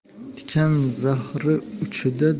tikan zahri uchida